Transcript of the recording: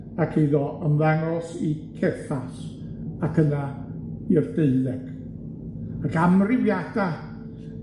ac iddo ymddangos i Cephas ac yna i'r deuddeg, ac amrywiada